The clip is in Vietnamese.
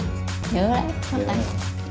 nhớ đấy biết tay